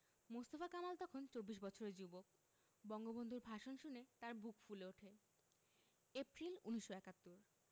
মোস্তফা কামাল তখন চব্বিশ বছরের যুবক বঙ্গবন্ধুর ভাষণ শুনে তাঁর বুক ফুলে ওঠে এপ্রিল ১৯৭১